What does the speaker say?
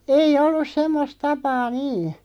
ei ollut semmoista tapaa niin